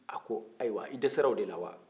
a ko ayiwa i dɛsɛra o de la wa